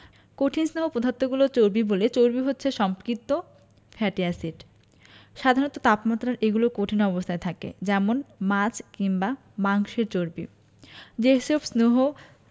কঠিন স্নেহ পদার্থগুলো চর্বি বলে চর্বি হচ্ছে সম্পৃক্ত ফ্যাটি এসিড সাধারণ তাপমাত্রায় এগুলো কঠিন অবস্থায় থাকে যেমন মাছ কিংবা মাংসের চর্বি যেসব স্নেহ